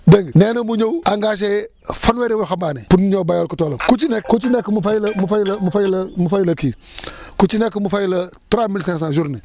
dégg nga nee na mu ñëw engagé fanweeri waxambaane pour ñu ñëw béyal ko toolam ku ci ne ku ci nekk mu fay la mu fay la mu fay la kii ku ci nekk mu fay la trois mille cinq cent journée